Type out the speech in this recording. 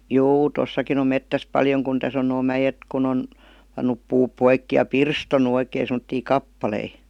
juu tuossakin on metsässä paljon kun tässä on nuo mäet kun on pannut puut poikki ja pirstonut oikein semmoisia kappaleita